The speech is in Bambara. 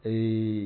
Ee